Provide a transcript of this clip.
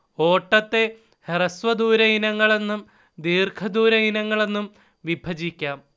ഓട്ടത്തെ ഹ്രസ്വദൂര ഇനങ്ങളെന്നും ദീർഘദൂര ഇനങ്ങളെന്നും വിഭജിക്കാം